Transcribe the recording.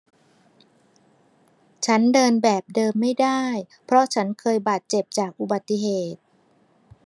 ฉันเดินแบบเดิมไม่ได้เพราะฉันเคยบาดเจ็บจากอุบัติเหตุ